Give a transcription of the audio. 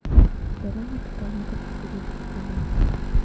здоровое питание как похудеть расскажи